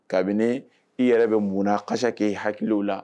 Kabini i yɛrɛ bɛ mun kasa k'i hakili la